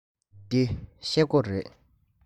འདི ཤེལ སྒོ རེད